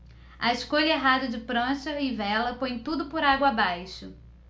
a escolha errada de prancha e vela põe tudo por água abaixo